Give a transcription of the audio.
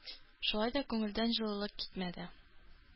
Шулай да күңелдән җылылык китмәде.